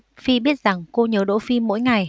phi biết rằng cô nhớ đỗ phi mỗi ngày